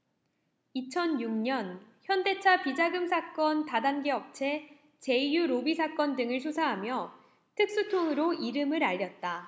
이천 육 년 현대차 비자금 사건 다단계 업체 제이유 로비 사건 등을 수사하며 특수통으로 이름을 알렸다